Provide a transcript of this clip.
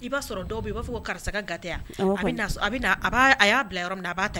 I b'a sɔrɔ dɔw b i b'a fɔ ko karisa ga' bila yɔrɔ min b'a